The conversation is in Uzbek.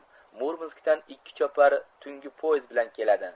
murmanskdan ikki chopar tungi poezd bilan keladi